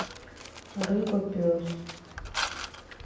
рыба пес